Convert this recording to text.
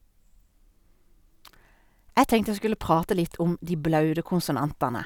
Jeg tenkte jeg skulle prate litt om de blaute konsonantene.